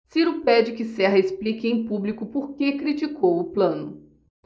ciro pede que serra explique em público por que criticou plano